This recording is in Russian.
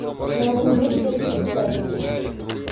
новокузнецкая тридцать пять